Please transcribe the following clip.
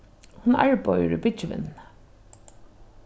hon arbeiðir í byggivinnuni